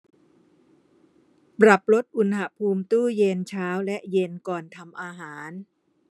ปรับลดอุณหภูมิตู้เย็นเช้าและเย็นก่อนทำอาหาร